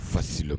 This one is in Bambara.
Fasilon